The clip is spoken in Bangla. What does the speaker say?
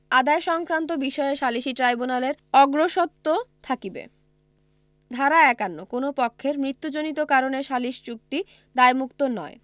আদায় সংক্রান্ত বিষয়ে সালিসী ট্রাইব্যুনালের অগ্রস্বত্ব থাকিবে ধারা ৫১ কোন পক্ষের মৃত্যুজনিত কারণে সালিস চুক্তি দায়মুক্ত নয়